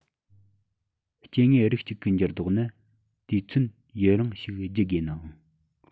སྐྱེ དངོས རིགས གཅིག གི འགྱུར ལྡོག ནི དུས ཚོད ཡུན རིང ཞིག བརྒྱུད དགོས ནའང